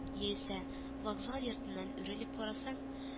Яисә вокзал йортыннан үрелеп карасаң